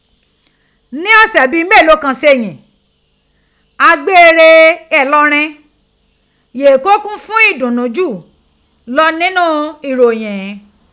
Ní ọ̀sẹ̀ bíi mélòó kan seyìn, a gbé e re l̀Iọrin, yee kó kún fún ìdùnnú jù lọ nínú ìròyiìn ghin.